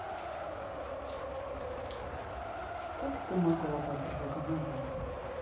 как ты могла подруга моя